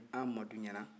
amadu ɲɛna